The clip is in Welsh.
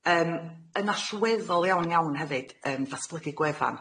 Yym, yn allweddol iawn iawn hefyd, yym ddatblygu gwefan.